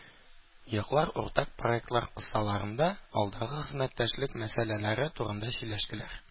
Яклар уртак проектлар кысаларында алдагы хезмәттәшлек мәсьәләләре турында сөйләштеләр.